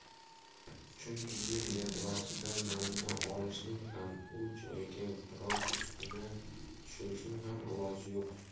chunki yer yadrosidan namuna olishning ham u joyga biror uskuna tushirishning ham iloji yo'q